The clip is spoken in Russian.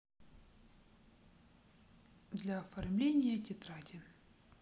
для оформления тетради